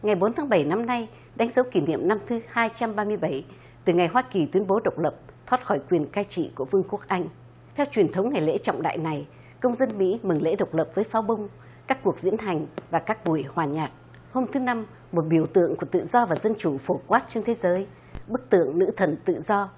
ngày bốn tháng bảy năm nay đánh dấu kỷ niệm năm thứ hai trăm ba mươi bảy từ ngày hoa kỳ tuyên bố độc lập thoát khỏi quyền cai trị của vương quốc anh theo truyền thống ngày lễ trọng đại này công dân mỹ mừng lễ độc lập với pháo bông các cuộc diễn hành và các buổi hòa nhạc hôm thứ năm một biểu tượng của tự do và dân chủ phổ quát trên thế giới bức tượng nữ thần tự do